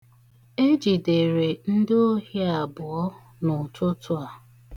Ejidere ndi ohi abụọ n'ụtụtụ a.